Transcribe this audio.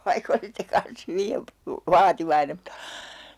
vaikka olisitte kanssa hyvin - vaativainen mutta